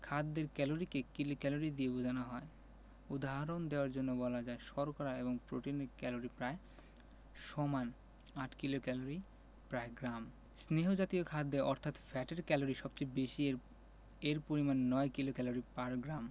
খাদ্যের ক্যালরিকে কিলোক্যালরি দিয়ে বোঝানো হয় উদাহরণ দেয়ার জন্যে বলা যায় শর্করা এবং প্রোটিনের ক্যালরি প্রায় সমান ৮ কিলোক্যালরি পার গ্রাম স্নেহ জাতীয় খাদ্যে অর্থাৎ ফ্যাটের ক্যালরি সবচেয়ে বেশি এর পরিমান ৯ কিলোক্যালরি পার গ্রাম